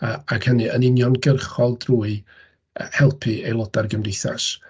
Yy ac hynny yn uniongyrchol, drwy helpu aelodau'r gymdeithas.